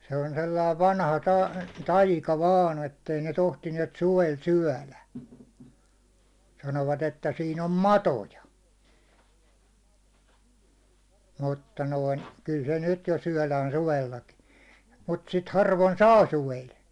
se on sellainen vanha - taika vain että ei ne tohtineet suvella syödä sanoivat että siinä on matoja mutta noin kyllä se nyt jo syödään suvellakin mutta sitä harvoin saa suvella